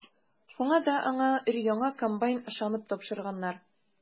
Шуңа да аңа өр-яңа комбайн ышанып тапшырганнар.